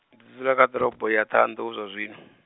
ndi dzula kha ḓorobo ya Ṱhohoyanḓou zwa zwino.